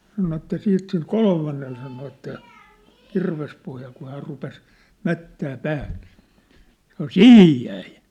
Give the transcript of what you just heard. sanoi että sitten sille kolmannelle sanoi että kirvespohjalla kun hän rupesi mättämään päähän niin sanoi siihen jäi